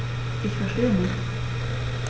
Ich verstehe nicht.